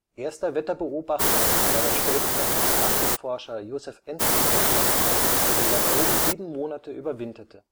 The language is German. Erster Wetterbeobachter war der spätere Antarktisforscher Josef Enzensperger, der dort oben sieben Monate überwinterte